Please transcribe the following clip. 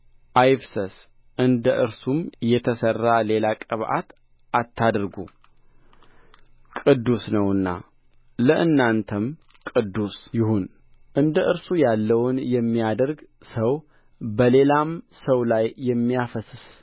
አይፍሰስ እንደ እርሱም የተሰራ ሌላ ቅብዓት አታድርጉ ቅዱስ ነው ለእናንተም ቅዱስ ይሁን እንደ እርሱ ያለውን የሚያደርግ ሰው በሌላም